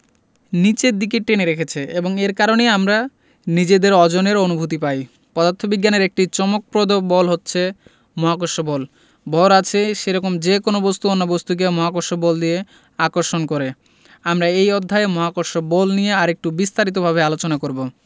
নিচের দিকে টেনে রেখেছে এবং এর কারণেই আমরা নিজেদের অজনের অনুভূতি পাই পদার্থবিজ্ঞানের একটি চমকপ্রদ বল হচ্ছে মহাকর্ষ বল ভর আছে সেরকম যেকোনো বস্তু অন্য বস্তুকে মহাকর্ষ বল দিয়ে আকর্ষণ করে আমরা এই অধ্যায়ে মহাকর্ষ বল নিয়ে আরেকটু বিস্তারিতভাবে আলোচনা করব